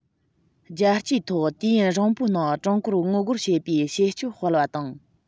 རྒྱལ སྤྱིའི ཐོག དུས ཡུན རིང པོའི ནང ཀྲུང གོར ངོ རྒོལ བྱེད པའི བྱེད སྤྱོད སྤེལ བ དང